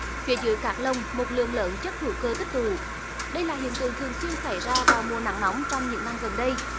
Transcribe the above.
phía dưới các lồng một lượng lớn chất hữu cơ tích tụ đây là hiện tượng thường xuyên xảy ra vào mùa nắng nóng trong những năm gần đây